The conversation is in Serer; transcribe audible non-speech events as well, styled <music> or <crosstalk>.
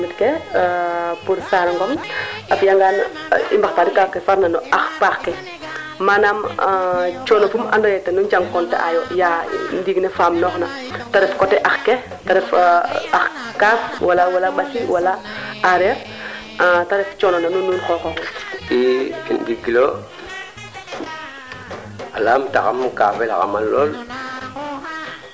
ndiing de o naanga wajan waaj le kaa magin lool xano figu xano ndeet ku waroona duuf <unintelligible> xaƴa ndiing taxu te leyel a jeg a camano kaa ando naye a rend anga comme in xoxoox wene sereerkene a jeg a jamano kaa ando naye